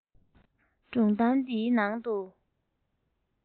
སྒྲུང གཏམ འདིའི ནང དུ